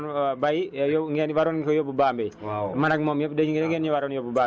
yow li nga wax rek Dia Sy moom waruleen ko woon bàyyi yow ngeen ni waroon ngeen ko yóbbu Bambey